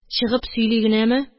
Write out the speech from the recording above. Чыгып сөйли генәме